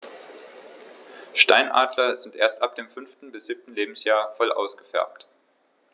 Steinadler sind erst ab dem 5. bis 7. Lebensjahr voll ausgefärbt.